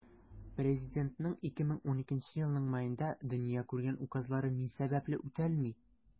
Президентның 2012 елның маенда дөнья күргән указлары ни сәбәпле үтәлми?